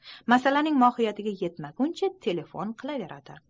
masalaning mohiyatiga yetmaguncha telefon qilaveradi